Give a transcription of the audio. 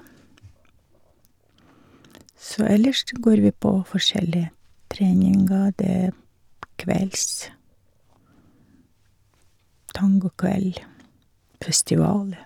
Så ellers går vi på forskjellig treninger, det er p kvelds tangokveld, festivaler.